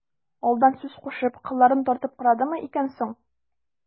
Алдан сүз кушып, кылларын тартып карадымы икән соң...